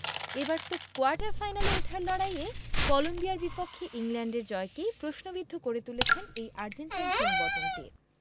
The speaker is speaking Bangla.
এবার তো কোয়ার্টার ফাইনালে ওঠার লড়াইয়ে কলম্বিয়ার বিপক্ষে ইংল্যান্ডের জয়কেই প্রশ্নবিদ্ধ করে তুলেছেন এই আর্জেন্টাইন কিংবদন্তি